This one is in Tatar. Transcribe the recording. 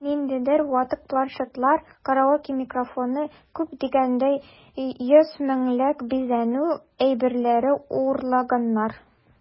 Ниндидер ватык планшетлар, караоке микрофоны(!), күп дигәндә 100 меңлек бизәнү әйберләре урлаганнар...